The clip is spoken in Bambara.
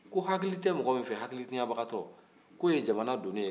ko hakili tɛ mɔgɔ min fɛ hakilitanyabagatɔ ko ye jamana doni ye